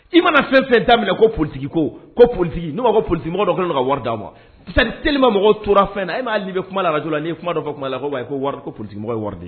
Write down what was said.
I mana fɛn fɛn daminɛ ko politigi ko ko politigi no ko politigimɔgɔ dɔ ka wari da ma parce que tellement mɔgɔ tora fɛn na . E ma ye Hali ni bi kuma la Radio la ni ye kuma dɔ fɔ u ba fɔ ko wari ko politigimɔgɔ dɔ ye wari di ma.